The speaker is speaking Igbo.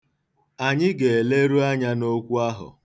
Anyị ga-eleru anya n'okwu ahụ.